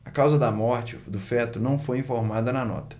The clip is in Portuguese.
a causa da morte do feto não foi informada na nota